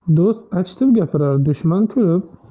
do'st achitib gapirar dushman kulib